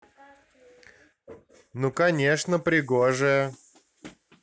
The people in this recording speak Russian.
ну конечно пригожая